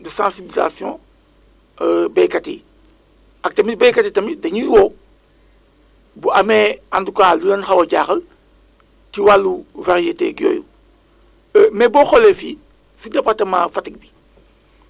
ñoom bu ñu ko envoyé même ñun les services techniques dañuy am kii yooyu yenn informations yi bu ko defee léegi information yooyu ñun à notre niveau souvent dañuy utiliser tamit les réseaux sociaux mooy les groupes Whatsapp man mii di la wax nii en général bu ma jotee information yooyu